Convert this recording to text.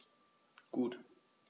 Gut.